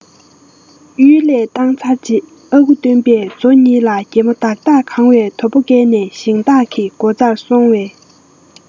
གཡུལ ལས བཏང ཚར རྗེས ཨ ཁུ སྟོན པས མཛོ གཉིས ལ སྒྱེ མོ ལྡག ལྡག གང བའི དོ པོ བཀལ ནས ཞིང བདག གི སྒོ ཙར སོང བས